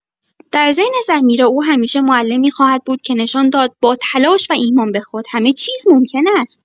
در ذهن سمیرا او همیشه معلمی خواهد بود که نشان داد با تلاش و ایمان به خود، همه چیز ممکن است.